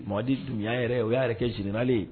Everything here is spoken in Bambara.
Mamadi Dunbiya yɛrɛ o y'a yɛrɛ kɛ général ye